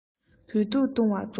བོད ཐུག འཐུང བར འགྲོ